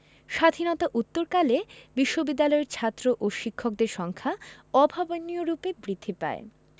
স্বাধীনতা উত্তরকালে বিশ্ববিদ্যালয়ের ছাত্র ও শিক্ষকদের সংখ্যা অভাবনীয়রূপে বৃদ্ধি পায়